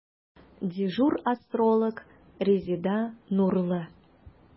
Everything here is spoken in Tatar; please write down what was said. Дежур астролог – Резеда Нурлы.